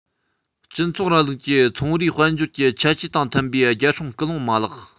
སྤྱི ཚོགས རིང ལུགས ཀྱི ཚོང རའི དཔལ འབྱོར གྱི ཁྱད ཆོས དང མཐུན པའི རྒྱལ སྲུང སྐུལ སློང མ ལག